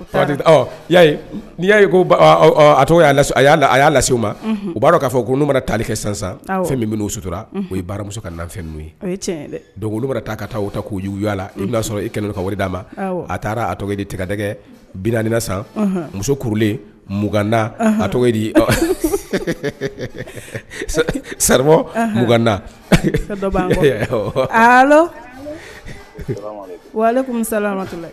Ya n'i y ya ko a tɔgɔ a y'a lasessiww ma u b'a dɔn k'a fɔ ko n' mana taali kɛ sansan fɛn min bɛ' u suturara o ye baramuso ka nafɛn ye donoloba taa ka taa u ta k'u'uyla'a sɔrɔ i kɛnɛ ka wari d'a ma a taara a tɔgɔ ye de tɛgɛ dɛgɛ binaniina san musolen muganda a tɔgɔ de sabɔuganda wa ale